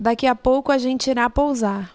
daqui a pouco a gente irá pousar